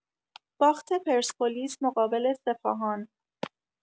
باخت پرسپولیس مقابل سپاهان